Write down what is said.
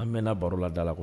An mɛnna barola da la